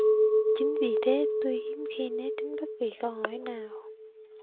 chính vì thế tôi hiếm khi né tránh bất kỳ câu hỏi nào